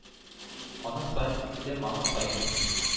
Аның саен киптем, аның саен